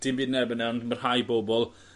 dim byd yn erbyn ond ma' rhai bobol